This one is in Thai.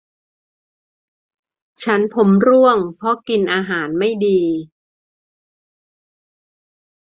ฉันผมร่วงเพราะกินอาหารไม่ดี